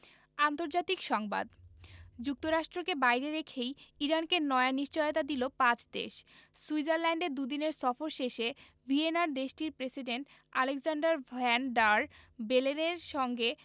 আন্তর্জাতিক সংবাদ যুক্তরাষ্ট্রকে বাইরে রেখেই ইরানকে নয়া নিশ্চয়তা দিল পাঁচ দেশ সুইজারল্যান্ডে দুদিনের সফর শেষে ভিয়েনায় দেশটির প্রেসিডেন্ট আলেক্সান্ডার ভ্যান ডার বেলেনের সঙ্গে